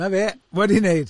'Na fe, wedi wneud.